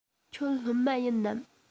ཁྱོད སློབ མ ཡིན ནམ